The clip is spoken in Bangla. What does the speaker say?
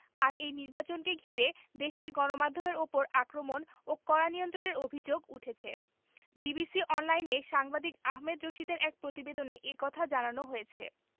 আর এই নির্বাচনকে ঘিরে দেশটির গণমাধ্যমের ওপর আক্রমণ ও কড়া নিয়ন্ত্রণের অভিযোগ উঠেছে বিবিসি অনলাইনে সাংবাদিক আহমেদ রশিদের এক প্রতিবেদনে এ কথা জানানো হয়েছে